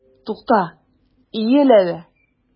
Тукта, иел әле!